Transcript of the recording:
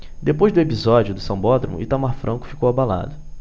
depois do episódio do sambódromo itamar franco ficou abalado